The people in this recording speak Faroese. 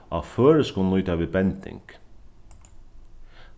á føroyskum nýta vit bending